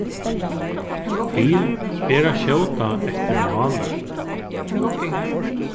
til ber at skjóta eftir máli